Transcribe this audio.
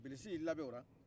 bilisi y'i labɛn o la